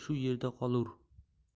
shu yerda qolur